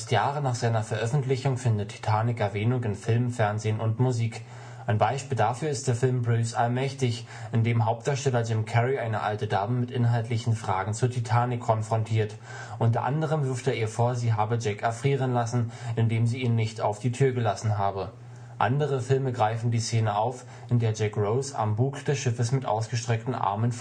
Jahre nach seiner Veröffentlichung findet Titanic Erwähnung in Film, Fernsehen und Musik. Ein Beispiel dafür ist der Film Bruce Allmächtig (2003), in dem Hauptdarsteller Jim Carrey eine alte Dame mit inhaltlichen Fragen zu Titanic konfrontiert. Unter anderem wirft er ihr vor, sie habe Jack erfrieren lassen, indem sie ihn nicht „ auf die Tür gelassen habe “. Andere Filme greifen die Szene auf, in der Jack Rose am Bug des Schiffes mit ausgestreckten Armen